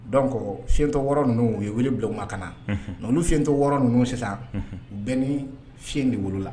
Dɔn kɔ ftɔ wɔɔrɔ n ninnu u ye wele bulon u ka ka na n fientɔ wɔɔrɔ n ninnu sisan u bɛ ni f de wolo la